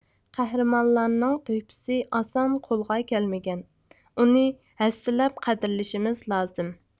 قەھرىمانلارنىڭ تۆھپىسى ئاسان قولغا كەلمىگەن ئۇنى ھەسسىلەپ قەدىرلىشىمىز لازىم